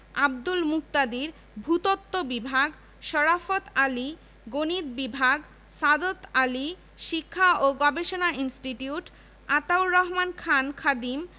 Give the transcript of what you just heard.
আব্দুল মুকতাদির ভূ তত্ত্ব বিভাগ শরাফৎ আলী গণিত বিভাগ সাদত আলী শিক্ষা ও গবেষণা ইনস্টিটিউট আতাউর রহমান খান খাদিম